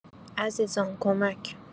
عزیزان کمک